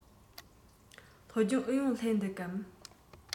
སློབ སྦྱོང ཨུ ཡོན སླེབས འདུག གམ